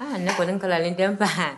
Ne kɔni kalanlen den n faa